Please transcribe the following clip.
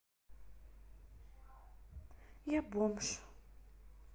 я бомж